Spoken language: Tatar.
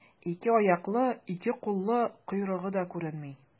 Ике аяклы, ике куллы, койрыгы да күренми.